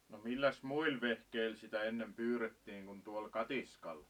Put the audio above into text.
no milläs muilla vehkeillä sitä ennen pyydettiin kuin tuolla katiskalla